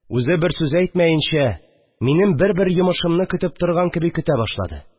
Үзе бер сүз әйтмәенчә, минем бер-бер йомышымны көтеп торган кеби көтә башлады